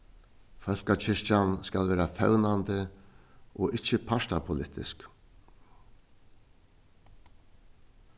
fólkakirkjan skal vera fevnandi og ikki partapolitisk